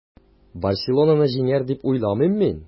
“барселона”ны җиңәр, дип уйламыйм мин.